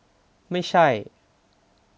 ไม่ใช่